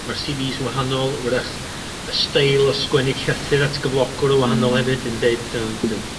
Ma'r see vees yn wahanol 'w'rach y steil o sgwennu llythyr at gyflogwr yn wahanol hefyd yn deud dym- dym-